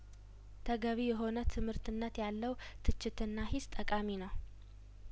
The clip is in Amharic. ተገቢ የሆነ ትምህርትነት ያለው ትችትና ሂስ ጠቃሚ ነው